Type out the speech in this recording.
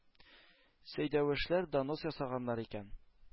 Сәйдәшевләр донос ясаганнар икән,